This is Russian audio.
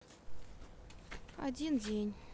один день